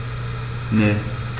Ne.